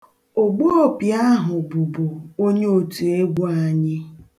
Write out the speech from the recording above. Ogbuopi ahụ bụbu onye otuegwu anyị.